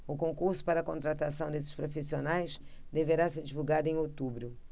o concurso para contratação desses profissionais deverá ser divulgado em outubro